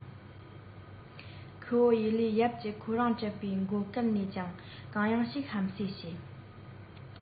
ཁུ བོ ཡུ ལེས ཡབ ཀྱིས ཁོང རང སྤྲད པའི བགོ སྐལ ནས ཀྱང གང ཡང ཞིག ཧམ ཟོས བྱས